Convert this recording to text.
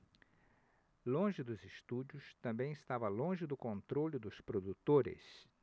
longe dos estúdios também estava longe do controle dos produtores